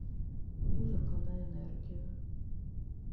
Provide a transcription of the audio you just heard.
музыка на энергию